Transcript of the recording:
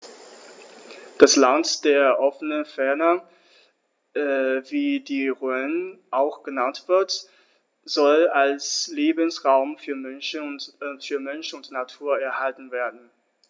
Das „Land der offenen Fernen“, wie die Rhön auch genannt wird, soll als Lebensraum für Mensch und Natur erhalten werden.